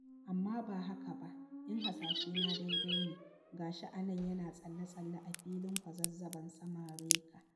Amma ba haka ba, in hasashena daidai ne, ga shi a nan yana tsalle-tsalle a filin kwazazzaban saman Rekcha.